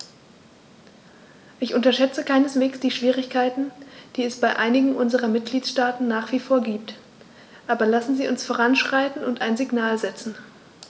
Ich unterschätze keineswegs die Schwierigkeiten, die es bei einigen unserer Mitgliedstaaten nach wie vor gibt, aber lassen Sie uns voranschreiten und ein Signal setzen.